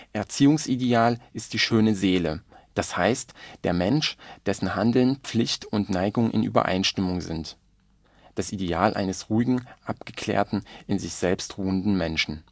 Erziehungsideal ist die „ schöne Seele “, d.h. der Mensch, dessen Handeln, Pflicht und Neigung in Übereinstimmung sind (Ideal eines ruhigen, abgeklärten, in sich selbst ruhenden Menschen